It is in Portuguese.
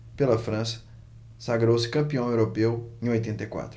pela frança sagrou-se campeão europeu em oitenta e quatro